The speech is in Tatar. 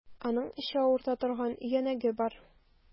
Аның эче авырта торган өянәге бар.